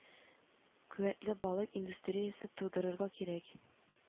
Куәтле балык кндустриясе тудырырга кирәк